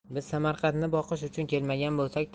biz samarqandni boqish uchun kelmagan